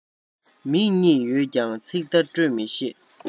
མིག གཉིས ཡོད ཀྱང ཚིག བརྡ སྤྲོད མི ཤེས